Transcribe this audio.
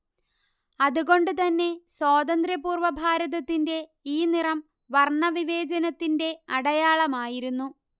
അതുകൊണ്ടുതന്നെ സ്വാന്ത്രപൂർവ്വ ഭാരതത്തിന്റെ ഈ നിറം വർണ്ണവിവേചനത്തിന്റെ അടയാളമായിരുന്നു